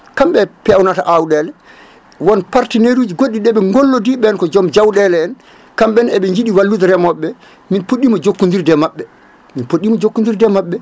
kamɓe pewnata awɗele won partenaire uji goɗɗi ɗeɓe gollodi ɓen ko joom jawɗele en kamɓene eɓe jiiɗi wallude remoɓemin puɗɗima jokkodirde e mabɓemin puɗɗima jokkodirde e mabɓe